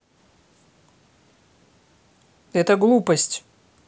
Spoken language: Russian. это глупость